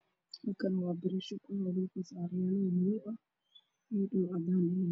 Halkaani waa biro shub ah oo meel saaran oo madow ah iyo dhul cadaan eh